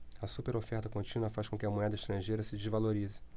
a superoferta contínua faz com que a moeda estrangeira se desvalorize